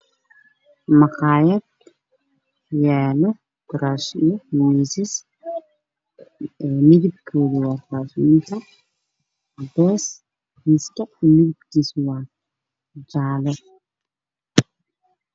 Maqayad yalo kursaman io miiss midabkode waa cades io jale